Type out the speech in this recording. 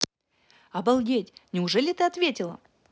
обалдеть неужели ты ответила